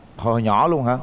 hồi nhỏ luôn hả